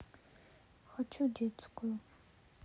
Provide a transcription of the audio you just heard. хочу детскую